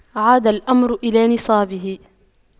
عاد الأمر إلى نصابه